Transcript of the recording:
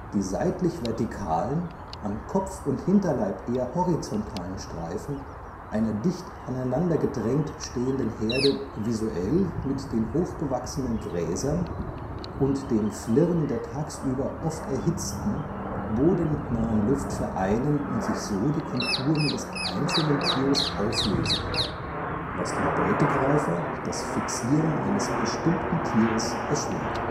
die seitlich vertikalen, an Kopf und Hinterleib eher horizontalen Streifen einer dicht aneinandergedrängt stehenden Herde visuell mit den hochgewachsenen Gräsern und dem Flirren der tagsüber oft erhitzten, bodennahen Luft vereinen und sich so die Konturen des einzelnen Tieres auflösen, was dem Beutegreifer das Fixieren eines bestimmten Tieres erschwert